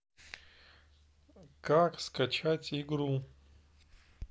как скачать игру